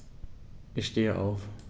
Ich stehe auf.